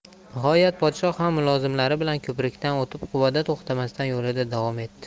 nihoyat podshoh ham mulozimlari bilan ko'prikdan o'tib quvada to'xtamasdan yo'lida davom etdi